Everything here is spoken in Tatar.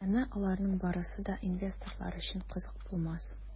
Әмма аларның барысы да инвесторлар өчен кызык булмас.